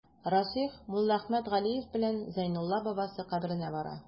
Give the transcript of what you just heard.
Расих Муллаәхмәт Галиев белән Зәйнулла бабасы каберенә бара.